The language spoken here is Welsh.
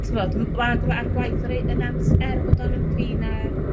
t'mod m- a'r a gwaith y rei- y nant er bod o'n ymdrin â'r